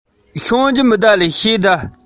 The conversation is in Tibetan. བསྟུན ནས ཤིང གི ཡལ ག ཞིག དང